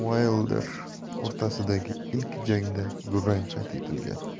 uaylder o'rtasidagi ilk jangda durang qayd etilgan